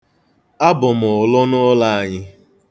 Abụ m ụlụ n'ụlọ anyị.